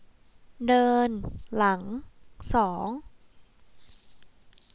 เดินหลังสอง